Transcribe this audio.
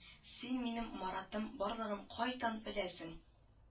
Син минем Маратым барлыгын кайдан беләсең